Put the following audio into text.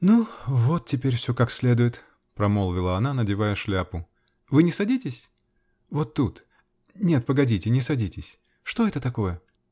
-- Ну, вот теперь все как следует, -- промолвила она, надевая шляпу. -- Вы не садитесь? Вот тут! Нет, погодите. не садитесь. Что это такое?